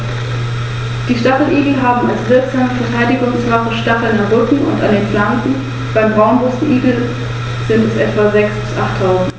Der römische Feldherr Scipio setzte nach Afrika über und besiegte Hannibal bei Zama.